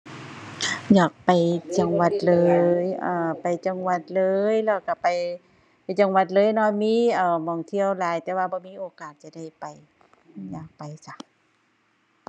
อยากไปจังหวัดเลย เอ่อ ไปจังหวัดเลยแล้วก็ไป ไปจังหวัดเลยเนาะ มี เอ่อ หม้องเที่ยวหลายแต่ว่าบ่มีโอกาสจะได้ไป อยากไปจ้ะ